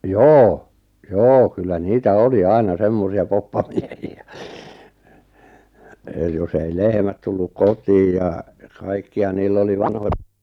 joo joo kyllä niitä oli aina semmoisia poppamiehiä eli jos ei lehmät tullut kotiin ja kaikkia niillä oli vanhoja taikoja